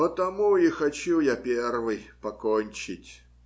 - Потому и хочу я первый покончить.